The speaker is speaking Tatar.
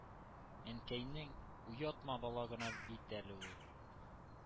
Әнкәйнең: ”Уятма, бала гына бит әле ул,